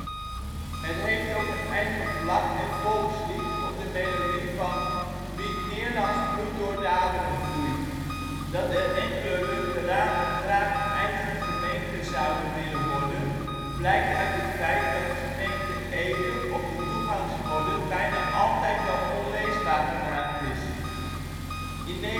Het heeft ook een eigen vlag en volkslied op de melodie van ' Wie ' t neerlands bloed door d'adren vloeit '. Dat er enkele Lunteranen graag een eigen gemeente zouden willen worden blijkt uit het feit dat ' gemeente Ede ' op de toegangsborden bijna altijd wel onleesbaar gemaakt is. In 1907